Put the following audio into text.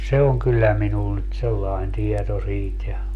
se on kyllä minun nyt sellainen tieto siitä ja